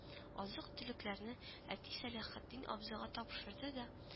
- азык-төлекләрне әти сәләхетдин абзыйга тапшырды да